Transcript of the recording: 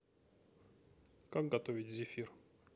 как готовить зефир